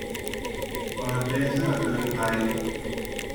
เปิดเลเซอร์เตือนภัย